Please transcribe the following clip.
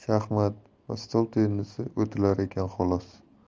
shaxmat va stol tennisi o'tilar ekan xolos